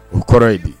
O kɔrɔ yen